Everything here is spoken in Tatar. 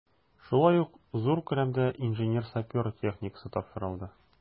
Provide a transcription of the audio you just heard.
Шулай ук зур күләмдә инженер-сапер техникасы тапшырылды.